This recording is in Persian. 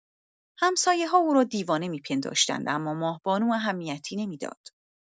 همسایه‌ها او را دیوانه می‌پنداشتند، اما ماه‌بانو اهمیتی نمی‌داد.